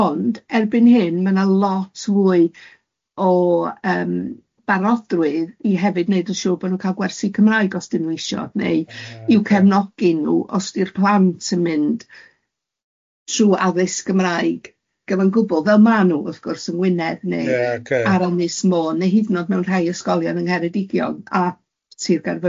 Ond erbyn hyn, ma' na lot fwy o yym barodwydd i hefyd wneud yn siŵr bod nhw'n cael gwersi Cymraeg os ydyn nhw isio, neu i'w cefnogi nhw os ydi'r plant yn mynd trw addysg Gymraeg gyfa'n gwbl, fel ma nhw wrth gwrs yng Ngwynedd neu... Ie ocê. ...ar Ynys Môn, neu hyd yn oed mewn rhai ysgolion yng Ngheredigion a Sir Gaerfyrddin.